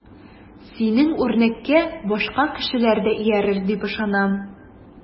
Сезнең үрнәккә башка кешеләр дә иярер дип ышанам.